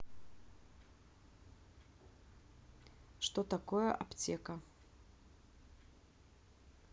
что такое аптека